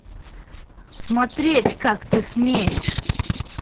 смотреть как ты смеешь